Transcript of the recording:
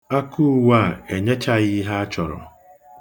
Akauwe a enyechaghị ihe a chọrọ.